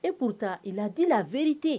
Epta i ladi la wte